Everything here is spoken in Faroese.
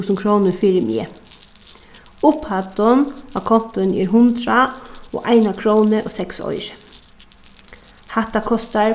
túsund krónur fyri meg upphæddin á kontoini er hundrað og eina krónu og seks oyru hatta kostar